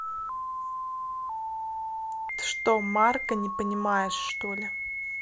ты что марка не понимаешь что ли